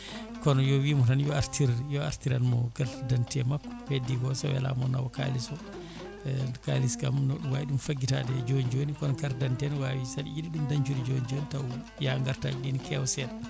kono yo wiima tan yo artir yo artiranmo carte d' identité makko heddi ko so welama o naawa kaalis o e andi kaalis kam no ɗum wawi faggitade joni joni kono carte d' identité ne wawi saɗa yiiɗi ɗum dañcude joni joni taw yaa gartaji ɗi ne keewa seeɗa